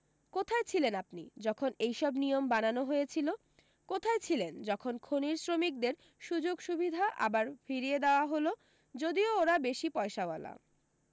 কোথায় ছিলেন আপনি যখন এইসব নিয়ম বানানো হয়েছিলো কোথায় ছিলেন যখন খনির শ্রমিকদের সু্যোগ সুবিধা আবার ফিরিয়ে দেওয়া হল যদিও ওরা বেশী পয়সা ওয়ালা